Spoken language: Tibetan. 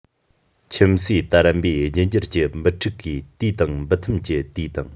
ཁྱིམ གསོས དར འབུའི རྒྱུད འགྱུར གྱི འབུ ཕྲུག གི དུས དང འབུ ཐུམ གྱི དུས དང